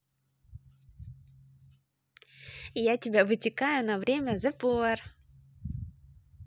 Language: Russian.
я тебя вытекаю на время the pure